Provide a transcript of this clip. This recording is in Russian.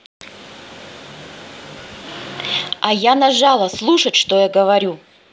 а я нажала слушать что я говорю